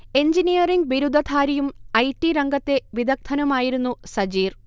Engineering ബിരുദധാരിയും I. T രംഗത്തെ വിദഗ്ദനുമായിരുന്നു സജീർ